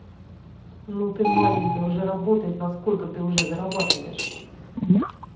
ну ты маленькая уже работает на сколько ты уже зарабатываешь